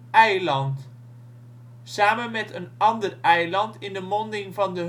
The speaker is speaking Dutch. eiland. Samen met een ander eiland in de monding van de